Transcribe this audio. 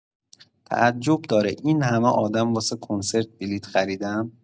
تعجب داره اینهمه آدم واسه کنسرت بلیط خریدن؟